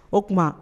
O tuma